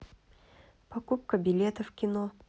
покупка билета в кино